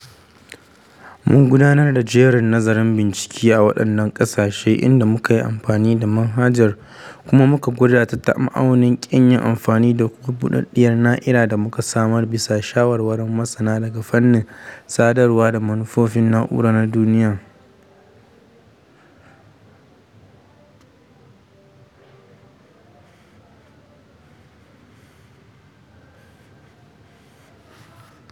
Mun gudanar da jerin nazarin bincike a waɗannan ƙasashen, inda muka yi amfani da manhajar kuma muka gwada ta da ma’aunin ƙin yin amfani da kuma buɗaɗiyar na'ira da muka samar, bisa ga shawarwarin masana daga fannin sadarwa da manufofin na'ura na duniya.